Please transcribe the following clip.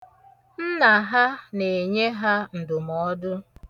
Nna ha na-enye ha ǹdụ̀mọọdụ.